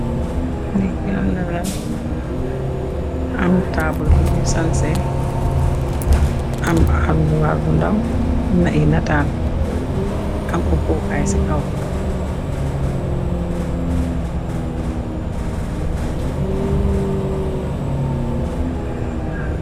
Neeg bi amna laal am taabul bu nyui sanse am armuwarr bu ndaw amna ay nataal am uppokaay ci kaw.